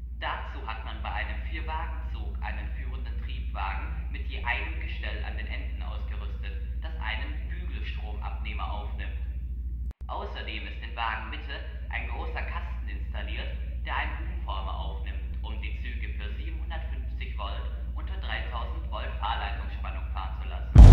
Dazu hat man bei einem Vier-Wagen-Zug einen führenden Triebwagen mit je einem Gestell an den Enden ausgerüstet, das einen Bügelstromabnehmer aufnimmt. Außerdem ist in Wagenmitte ein großer Kasten installiert, der einen Umformer aufnimmt, um die Züge für 750 Volt unter 3000 Volt Fahrleitungsspannung fahren zu lassen